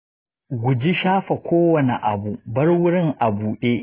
guji shafa kowane abu; bar wurin a buɗe.